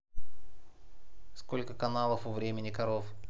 сколько каналов у времени коров